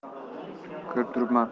ko'rib turibman